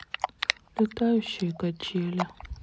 летающие качели